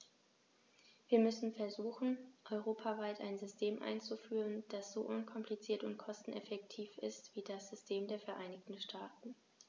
Wir müssen versuchen, europaweit ein System einzuführen, das so unkompliziert und kosteneffektiv ist wie das System der Vereinigten Staaten.